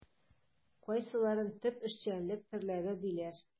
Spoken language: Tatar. Кайсыларын төп эшчәнлек төрләре диләр?